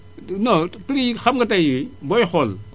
non prix yi xam nga tay booy xool